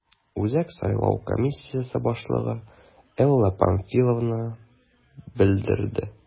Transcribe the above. Үзәк сайлау комиссиясе башлыгы Элла Памфилова белдерде: